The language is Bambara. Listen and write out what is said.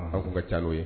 Ha' ka ca'o ye